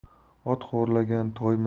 ot xo'rlagan toy